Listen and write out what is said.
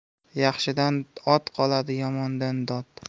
yaxshidan ot qoladi yomondan dod